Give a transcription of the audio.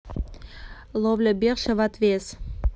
ловля берша в отвес